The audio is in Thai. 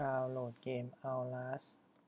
ดาวโหลดเกมเอ้าลาส